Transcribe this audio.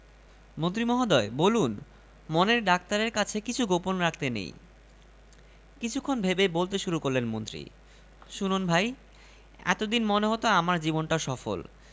ব্যর্থ হয়েছেন বলেই সকাল থেকে আপনি নিখোঁজ মানে গুম হয়ে গেছেন কেউ আপনার অস্তিত্ব টের পাচ্ছে না আয়নায় বিম্ব দেখা দিচ্ছে না রোদে আপনার ছায়া পড়ছে না